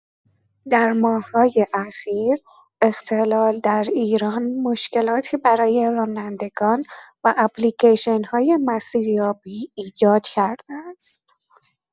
در ماه‌های اخیر، اختلال در ایران مشکلاتی برای رانندگان و اپلیکیشن‌های مسیریابی ایجاد کرده است.